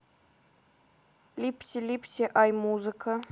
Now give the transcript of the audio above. липси липси ай музыка